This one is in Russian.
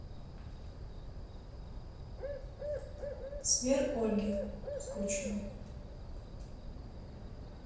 сбер ольги скучно